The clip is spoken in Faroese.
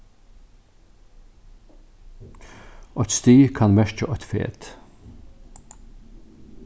eitt stig kann merkja eitt fet